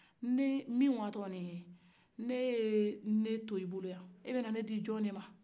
nin min watɔ filɛ nin ye n'e ye ne to i bolo yan e bɛ na ne di jɔn de ma